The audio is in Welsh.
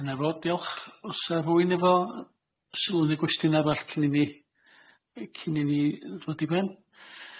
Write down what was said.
Dyna fo diolch osa rwun efo yy sylw neu gwestiwn arall cyn i ni yy cyn i ni yy ddod i ben?